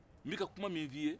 n bɛ ka kuma min f'i ye